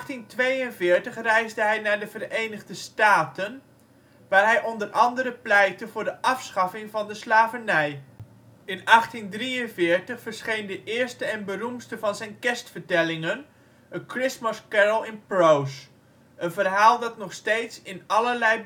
In 1842 reisde hij naar de Verenigde Staten, waar hij onder andere pleitte voor de afschaffing van de slavernij. In 1843 verscheen de eerste en beroemdste van zijn kerstvertellingen: A Christmas Carol in Prose, een verhaal dat nog steeds in allerlei bewerkingen